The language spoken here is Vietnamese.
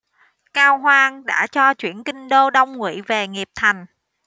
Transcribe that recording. cao hoan đã cho chuyển kinh đô đông ngụy về nghiệp thành